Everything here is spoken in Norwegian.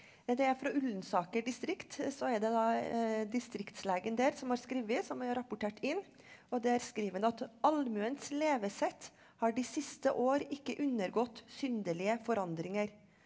det er fra Ullensaker distrikt så er det da distriktslegen der som har skrevet som har rapportert inn og der skriver han at allmuens levesett har de siste år ikke undergått syndelige forandringer.